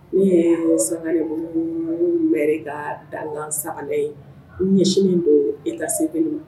N sanga bɛ ka dankansaga ye ɲɛsin min don e ka se kelen